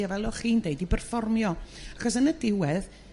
Ne' fel o' chi'n d'eud i berfformio achos yn y diwedd